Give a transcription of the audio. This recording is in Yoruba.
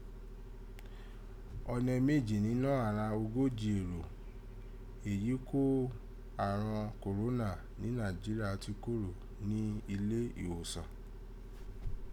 Ọnẹ meji ninọ́ àghan ogoji èrò èyí kó àrọ̀n kòrónà ni Naijiria ti kúrò ni ulé ìghòsan.